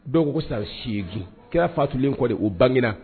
Dɔw ko sa si z kira fatulen kɔ de o bangna